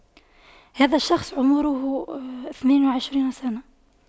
هذا الشخص عمره اثنين وعشرين سنة